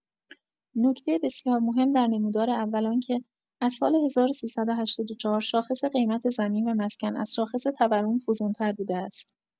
نکته بسیار مهم در نمودار اول آنکه، از سال ۱۳۸۴، شاخص قیمت زمین و مسکن از شاخص تورم فزون‌تر بوده است.